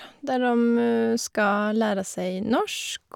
Der dem skal lære seg norsk.